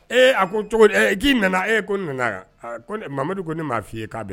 Ee a ko cogo k'i nana e ko nana Mamadu ko ne m'a f fɔ i ye k'a bɛ n